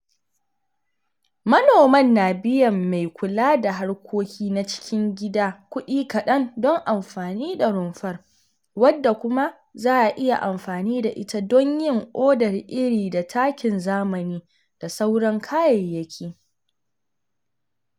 Manoman na biyan mai kula da harkoki na cikin gida kuɗi kaɗan don amfani da rumfar, wadda kuma za a iya amfani da ita don yin odar iri da takin zamani da sauran kayayyaki.